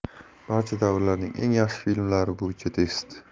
barcha davrlarning eng yaxshi filmlari bo'yicha test